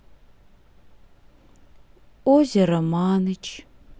озеро маныч